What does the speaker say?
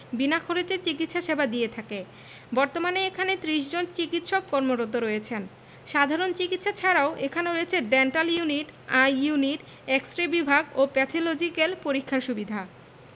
বিনা খরচে চিকিৎসা সেবা দিয়ে থাকে বর্তমানে এখানে ৩০ জন চিকিৎসক কর্মরত রয়েছেন সাধারণ চিকিৎসা ছাড়াও এখানে রয়েছে dental unit eye unit x ray বিভাগ এবং প্যাথলজিক্যাল পরীক্ষার সুবিধা